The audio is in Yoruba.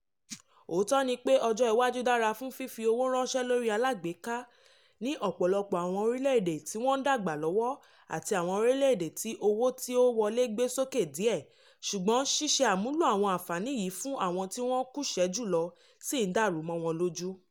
Òótọ́ ni pé ọjọ́ iwájú dára fún fífi owó ránṣẹ́ lórí alágbèéká ní ọ̀pọ̀lọpọ̀ àwọn orílẹ̀ èdè tí wọ́n ń dàgbà lọ́wọ́ àti àwọn orílẹ̀ èdè tí owó tí ó wọlé gbé sókè díẹ̀ ṣùgbọ́n ṣíṣe àmúlò àwọn àǹfààní yìí fún àwọn tí wọ́n kúṣẹ̀ẹ́ jùlọ sì ń dàrú mọ́ wọn lójú.